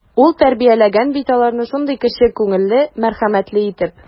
Ул тәрбияләгән бит аларны шундый кече күңелле, мәрхәмәтле итеп.